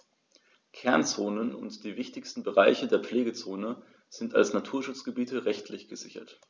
Kernzonen und die wichtigsten Bereiche der Pflegezone sind als Naturschutzgebiete rechtlich gesichert.